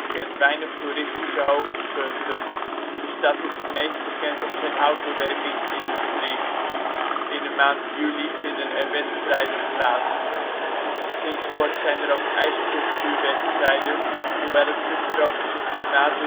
kent weinig toeristische hoogtepunten. De stad is het meest bekend om zijn houtbewerkingsindustrie. In de maand juli vinden er wedstrijden plaats. Sinds kort zijn er ook ijssculptuur wedstrijden, hoewel het subtropische klimaat